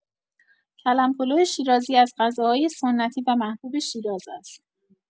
کلم پلوی شیرازی از غذاهای سنتی و محبوب شیراز است.